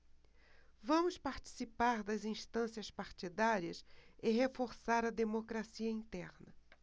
vamos participar das instâncias partidárias e reforçar a democracia interna